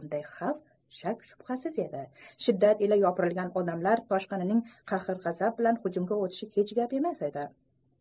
bunday xavf shak shubhasiz edi shiddat ila yopirilgan odamlar toshqinining qahr g'azab bilan hujumga o'tishi hech gap emas edi